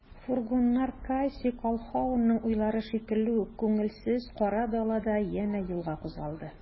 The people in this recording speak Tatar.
Фургоннар Кассий Колһаунның уйлары шикелле үк күңелсез, кара далада янә юлга кузгалды.